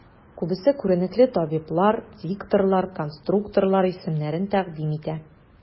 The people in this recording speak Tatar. Күбесе күренекле табиблар, дикторлар, конструкторлар исемнәрен тәкъдим итә.